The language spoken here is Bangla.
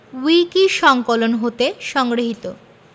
উইকিসংকলন হতে সংগৃহীত